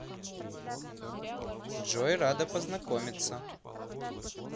джой рада познакомиться